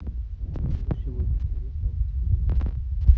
что сегодня интересного по телевизору